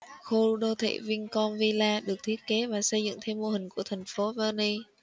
khu đô thị vincom village được thiết kế và xây dựng theo mô hình của thành phố venice